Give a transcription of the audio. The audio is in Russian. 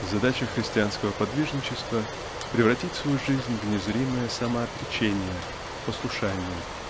Задача христианского подвижничества -- превратить свою жизнь в незримое самоотречение послушание